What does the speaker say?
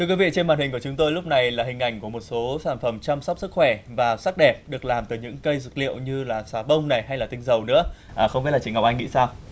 thưa quý vị trên màn hình của chúng tôi lúc này là hình ảnh của một số sản phẩm chăm sóc sức khỏe và sắc đẹp được làm từ những cây dược liệu như là xà bông này hay là tinh dầu nữa à không biết là chị ngọc anh nghĩ sao